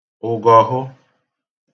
ụ̀gọ̀hụ